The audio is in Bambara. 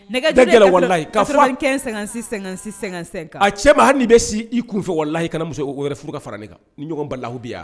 95 56 56 55 a cɛ ma hali n'a bɛ si a kunfɛ walahi kana muso wɛrɛ furu ka fara ne kan ni ɲɔgɔn balahu bɛ ye wa.